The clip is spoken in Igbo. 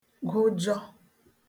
gụjọ